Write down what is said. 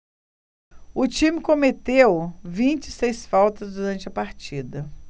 o time cometeu vinte e seis faltas durante a partida